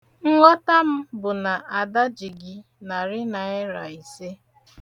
Nghọta m bụ na Ada ji gị narị naịra ise.